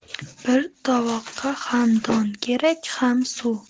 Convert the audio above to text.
bir tovuqqa ham don kerak ham suv